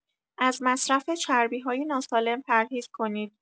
از مصرف چربی‌های ناسالم پرهیز کنید.